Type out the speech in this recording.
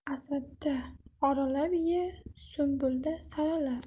asadda oralab ye sunbulada saralab